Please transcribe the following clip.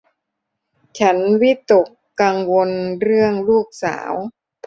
ฉันวิตกกังวลเรื่องลูกสาว